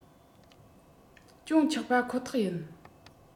ཅུང ཆག པ ཁོ ཐག ཡིན